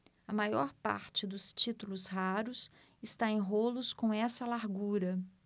a maior parte dos títulos raros está em rolos com essa largura